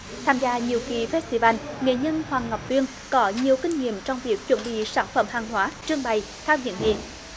tham gia nhiều kỳ phét si van nghệ nhân hoàng ngọc tuyên có nhiều kinh nghiệm trong việc chuẩn bị sản phẩm hàng hóa trưng bày các điển hình